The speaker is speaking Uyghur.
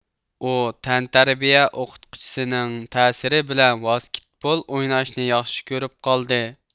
ئۇ تەنتەربىيە ئوقۇتقۇچىسىنىڭ تەسىرى بىلەن ۋاسكېتبول ئويناشنى ياخشى كۆرۈپ قالدى